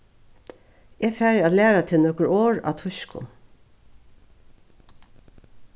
eg fari at læra teg nøkur orð á týskum